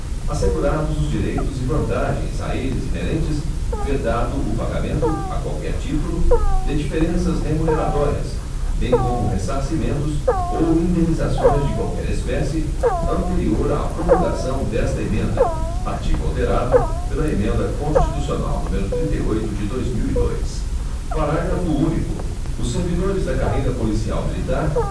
assegurados os direitos e vantagens a eles inerentes vedado o pagamento a qualquer título de diferenças remuneratórias bem como ressarcimentos ou indenizações de qualquer espécie anterior à promulgação desta emenda artigo alterado pela emenda constitucional número trinta e oito de dois mil e dois parágrafo único os servidores da carreira policial militar